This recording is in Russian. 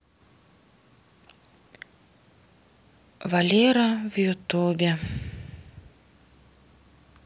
валера в ютубе